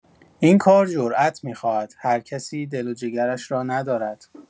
این کار جرات می‌خواهد، هر کسی دل و جگرش را ندارد.